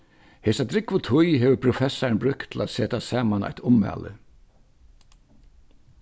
hesa drúgvu tíð hevur professarin brúkt til at seta saman eitt ummæli